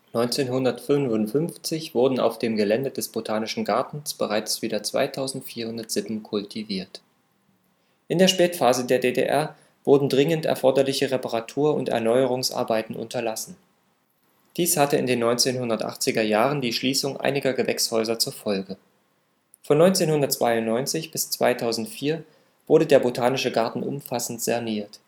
1955 wurden auf dem Gelände des Botanischen Gartens bereits wieder 2.400 Sippen kultiviert. In der Spätphase der DDR wurden dringend erforderliche Reparatur - und Erneuerungsarbeiten unterlassen. Dies hatte in den 1980er Jahren die Schließung einiger Gewächshäuser zur Folge. Von 1992 bis 2004 wurde der Botanische Garten umfassend saniert